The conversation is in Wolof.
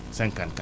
54